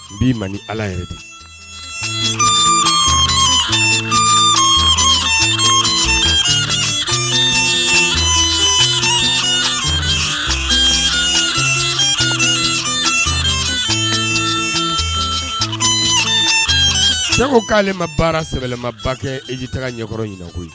Bii ma ni ala yɛrɛ cɛ ko k'ale ma baara sɛbɛɛlɛba kɛ eji taga ɲɛkɔrɔ ɲɛna koyi